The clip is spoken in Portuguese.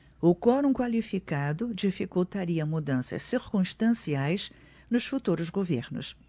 o quorum qualificado dificultaria mudanças circunstanciais nos futuros governos